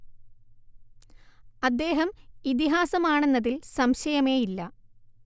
അദ്ദേഹം ഇതിഹാസമാണെന്നതിൽ സംശയമേയില്ല